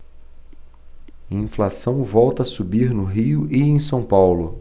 inflação volta a subir no rio e em são paulo